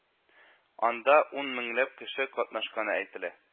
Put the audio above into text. Анда ун меңләп кеше катнашканы әйтелә